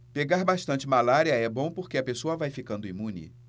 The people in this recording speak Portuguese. pegar bastante malária é bom porque a pessoa vai ficando imune